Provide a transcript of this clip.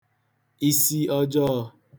isi ọjọọ̄